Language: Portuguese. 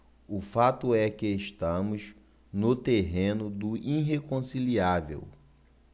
o fato é que estamos no terreno do irreconciliável